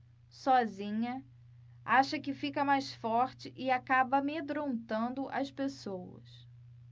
sozinha acha que fica mais forte e acaba amedrontando as pessoas